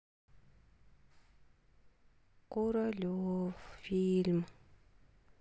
куралев фильм